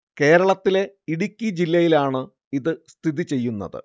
കേരളത്തിലെ ഇടുക്കി ജില്ലയിലാണ് ഇത് സ്ഥിതി ചെയ്യുന്നത്